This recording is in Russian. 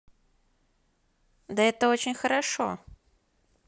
да это очень хорошо